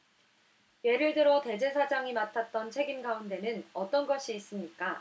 예를 들어 대제사장이 맡았던 책임 가운데는 어떤 것이 있습니까